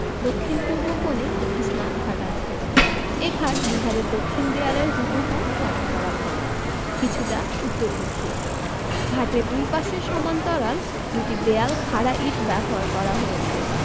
দক্ষিণ পূর্ব কোণে একটি স্নানঘাট আছে এ ঘাট বিহারের দক্ষিণ দেয়ালের হুবহু সমান্তরাল নয় কিছুটা উত্তরমুখী ঘাটের দুই পাশের সমান্তরাল দুটি দেয়ালে খাড়া ইট ব্যবহার করা হয়েছে